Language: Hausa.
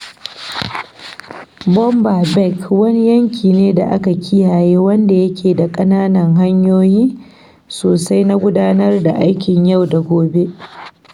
Boumba Bek wani yanki ne da aka kiyaye wanda yake da ƙananan hanyoyi sosai na gudanar da aikin yau da gobe.